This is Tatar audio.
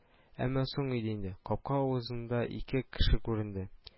Әмма соң иде инде, капка авызында ике кеше күренде